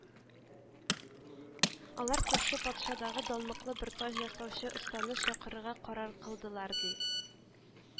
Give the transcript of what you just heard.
Алар күрше патшадагы данлыклы бер таҗ ясаучы останы чакырырга карар кылдылар, ди